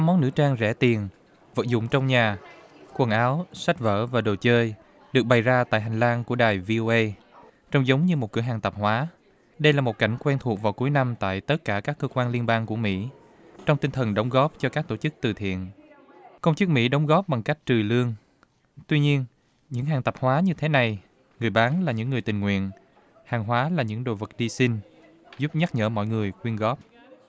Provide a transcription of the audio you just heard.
món nữ trang rẻ tiền vật dụng trong nhà quần áo sách vở và đồ chơi được bày ra tại hành lang của đài vi ô ây trông giống như một cửa hàng tạp hóa đây là một cảnh quen thuộc vào cuối năm tại tất cả các cơ quan liên bang của mỹ trong tinh thần đóng góp cho các tổ chức từ thiện công chức mỹ đóng góp bằng cách trừ lương tuy nhiên những hàng tạp hóa như thế này người bán là những người tình nguyện hàng hóa là những đồ vật đi xin giúp nhắc nhở mọi người quyên góp